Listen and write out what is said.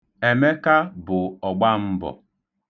Emeka bụ ọgbambọ.